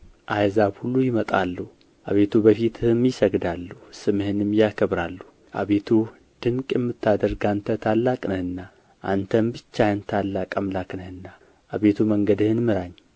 አሕዛብ ሁሉ ይመጣሉ አቤቱ በፊትህም ይሰግዳሉ ስምህንም ያከብራሉ አቤቱ ድንቅ የምታደርግ አንተ ታላቅ ነህና አንተም ብቻህን ታላቅ አምላክ ነህና አቤቱ መንገድህን ምራኝ